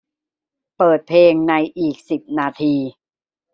เปิดเพลงในอีกสิบนาที